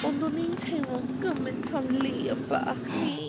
Ond o'n i'n teimlo gymaint am Liam bach ni.